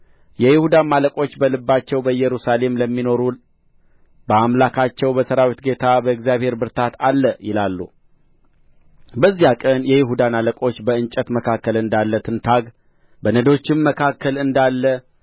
የይሁዳም አለቆች በልባቸው በኢየሩሳሌም ለሚኖሩ በአምላካቸው በሠራዊት ጌታ በእግዚአብሔር ብርታት አለ ይላሉ በዚያ ቀን የይሁዳን አለቆች በእንጨት መካከል እንዳለ ትንታግ በነዶችም መካከል እንዳለ